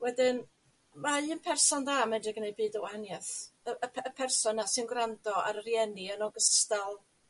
Wedyn mae yn person dda medru gneud byd o wahanieth y y p- y person na sy'n gwrando ar y rhieni yn ogystal